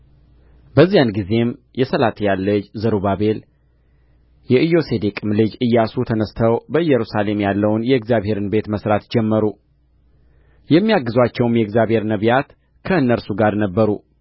በዚያን ጊዜ የሰላትያል ልጅ ዘሩባቤል የኢዮሴዴቅም ልጅ ኢያሱ ተነሥተው በኢየሩሳሌም ያለውን የእግዚአብሔርን ቤት መሥራት ጀመሩ የሚያግዙአቸውም የእግዚአብሔር ነቢያት ከእነርሱ ጋር ነበሩ